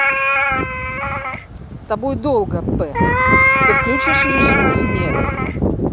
с тобой долго пиздец ты выключишь режим или нет